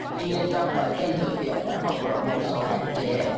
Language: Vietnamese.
tuy nhiên trong quá trình thực hiện đã bộc lộ một số hạn chế